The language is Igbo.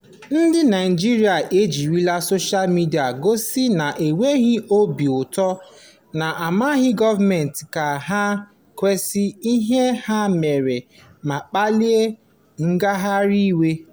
Ndị Naịjirịa ejirila soshaa midịa gosi na ha enweghị obi ụtọ, na-amanye gọọmentị ka ha kwụsị ihe ha mere ma kpalite ngagharị iwe: